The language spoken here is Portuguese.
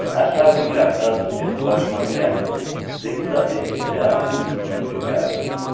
achava engraçado ser pós-moderna sem saber que diabos isso significava